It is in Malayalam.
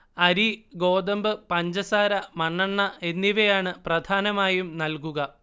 അരി ഗോതമ്പ് പഞ്ചസാര മണെണ്ണ എന്നിവയാണ് പ്രധാനമായും നൽകുക